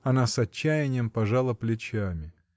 Она с отчаянием пожала плечами.